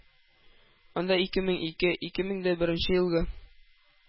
Анда ике мең-ике мең дә беренче елгы